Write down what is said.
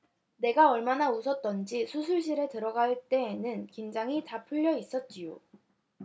내가 얼마나 웃었던지 수술실에 들어갈 때에는 긴장이 다 풀려 있었지요